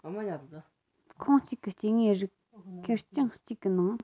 ཁོངས གཅིག གི སྐྱེ དངོས རིགས ཁེར རྐྱང གཅིག གི ནང